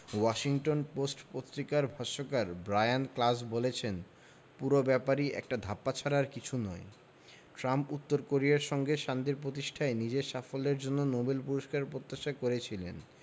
Washington Post পত্রিকার ভাষ্যকার Brian Klaas বলেছেন পুরো ব্যাপারই একটা ধাপ্পা ছাড়া আর কিছু নয় ট্রাম্প উত্তর কোরিয়ার সঙ্গে শান্তি প্রতিষ্ঠায় নিজের সাফল্যের জন্য নোবেল পুরস্কার প্রত্যাশা করেছিলেন